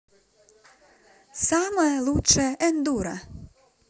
самая лучшая эндура